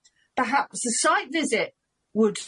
perhaps a site visit would